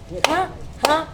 Han han